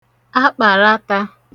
akpàratā